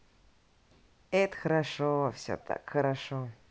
это хорошо все так хорошо